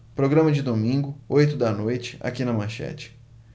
programa de domingo oito da noite aqui na manchete